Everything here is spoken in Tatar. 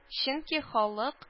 Чөнки халык